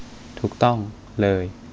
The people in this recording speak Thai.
ถูกต้องเลย